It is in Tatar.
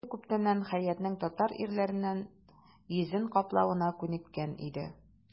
Лиза күптәннән Хәятның татар ирләреннән йөзен каплавына күнеккән иде.